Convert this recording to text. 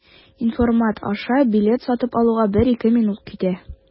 Инфомат аша билет сатып алуга 1-2 минут китә.